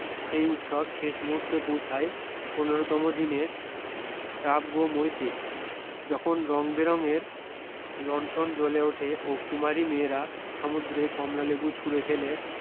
এই উৎসব শেষ মূহুর্তে পৌছায় পনের তম দিনে চাপ গো মইতে যখন রঙ বে রঙের লন্ঠন জ্বলে ওঠে ও কুমারী মেয়েরা সমুদ্রে কমলালেবু ছুড়ে ফেলে